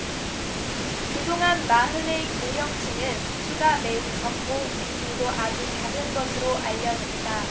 그동안 미혼의 고령층은 수가 매우 적고 비중도 아주 작은 것으로 알려졌다